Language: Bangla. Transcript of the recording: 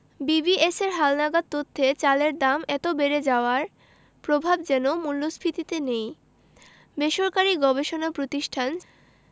বিবিএসের হালনাগাদ তথ্যে চালের দাম এত বেড়ে যাওয়ার প্রভাব যেন মূল্যস্ফীতিতে নেই বেসরকারি গবেষণা প্রতিষ্ঠান